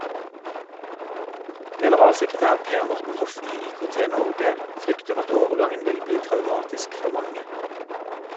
Generalsekretær Per Morten Hoff i IKT-Norge frykter at overgangen vil bli traumatisk for mange.